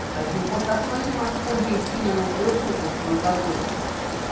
as importações de maçã argentina não preocupam os plantadores